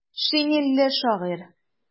Шинельле шагыйрь.